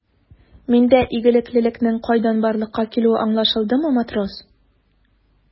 Миндә игелеклелекнең кайдан барлыкка килүе аңлашылдымы, матрос?